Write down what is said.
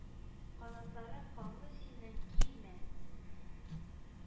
Канатларың канлы синең, килмә!